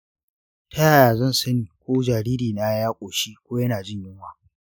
ta yaya zan sani ko jariri na ya ƙoshi ko yana jin yunwa?